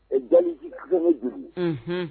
Ɛɛ dialyse kɛ ko joli.